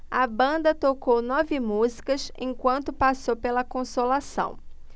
a banda tocou nove músicas enquanto passou pela consolação